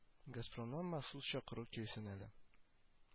Газпром нан махсус чакыру килсен әле